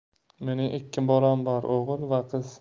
mening ikki bolam bor 'g'il va qiz